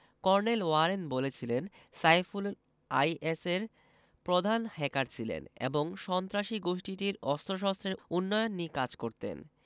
colonel Warren বলেছিলেন সাইফুল আইএসের প্রধান হ্যাকার ছিলেন এবং সন্ত্রাসী গোষ্ঠীটির অস্ত্রশস্ত্রের উন্নয়ন নিয়ে কাজ করতেন